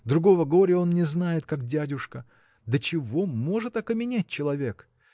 другого горя он не знает, как дядюшка до чего может окаменеть человек!